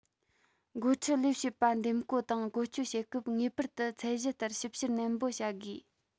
འགོ ཁྲིད ལས བྱེད པ འདེམས བསྐོ དང བཀོལ སྤྱོད བྱེད སྐབས ངེས པར དུ ཚད གཞི ལྟར ཞིབ བཤེར ནན པོ བྱ དགོས